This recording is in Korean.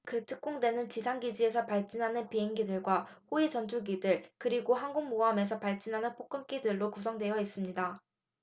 그 특공대는 지상 기지에서 발진하는 비행기들과 호위 전투기들 그리고 항공모함에서 발진하는 폭격기들로 구성되어 있었습니다